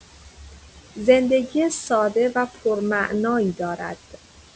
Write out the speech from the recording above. زندگی ساده و پرمعنایی دارد.